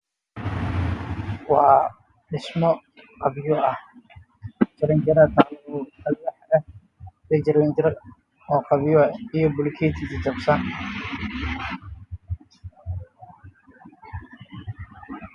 Waa guri jaraanjaro leh oo alwaax ah